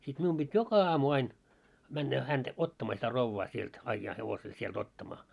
sitten minun piti joka aamu aina mennä häntä ottamaan sitä rouvaa sieltä ajaa hevosella sieltä ottamaan